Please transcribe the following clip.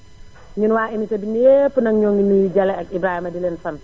ñun waa unité bi ñépp nag ñoo ngi nuyu Jalle ak Ibrahima di leen sant